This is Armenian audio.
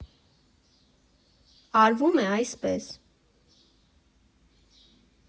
Արվում է այսպես.